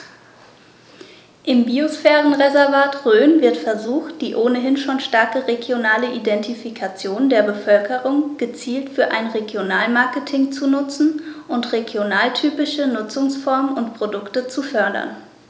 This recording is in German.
Im Biosphärenreservat Rhön wird versucht, die ohnehin schon starke regionale Identifikation der Bevölkerung gezielt für ein Regionalmarketing zu nutzen und regionaltypische Nutzungsformen und Produkte zu fördern.